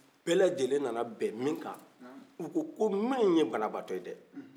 bɛ lajɛlen na na bɛn min ka u ko ko min ye banabagatɔ ye dɛ